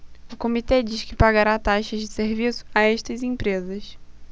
o comitê diz que pagará taxas de serviço a estas empresas